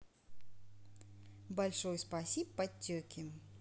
большой спасиб подтеки